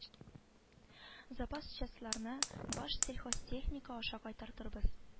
Запас частьларны башсельхозтехника аша кайтартырбыз